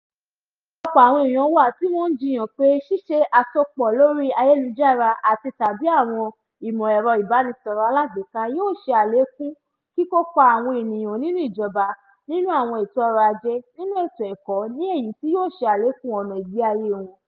Ọ̀pọ̀lọpọ̀ àwọn èèyàn wà tí wọ́n jiyàn pé ṣíṣe àsopọ̀ lórí ayélujára àti/tàbí àwọn ìmọ̀ ẹ̀rọ ìbánisọ̀rọ̀ alágbèéká yóò ṣe àlékún kíkópa àwọn èèyàn nínú ìjọba, nínú àwọn ètò ọ̀rọ̀ ajé, nínú ètò ẹ̀kọ́ ní èyí tí yóò ṣe àlékún ọ̀nà ìgbé ayé wọn.